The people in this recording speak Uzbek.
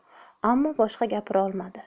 ammo boshqa gapirolmadi